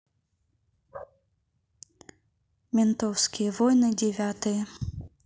ментовский войны девятые